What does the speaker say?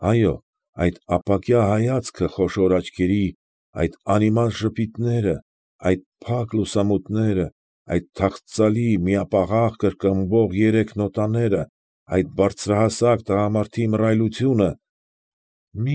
Այո, այդ ապակյա հայացքը խոշոր աչքերի, այդ անիմաստ ժպիտները, այդ փակ լուսամուտները, այդ թախծալի միապաղաղ կրկնվող երեք նոտաները, այդ բարձրահասակ տղամարդի մռայլությունը ֊